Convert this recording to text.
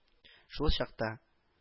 Шул чакта